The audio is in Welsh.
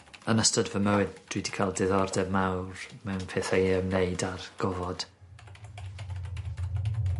Yn ystod fy mywyd dwi 'di ca'l diddordeb mawr mewn pethe i ymwneud â'r gofod.